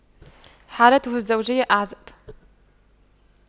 حالته الزوجية أعزب